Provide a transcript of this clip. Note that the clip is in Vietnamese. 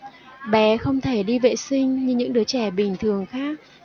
bé không thể đi vệ sinh như những đứa trẻ bình thường khác